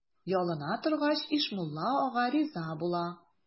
Ялына торгач, Ишмулла ага риза була.